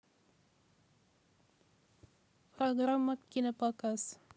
программа кинопоказ